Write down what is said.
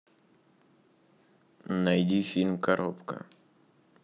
найди фильм коробка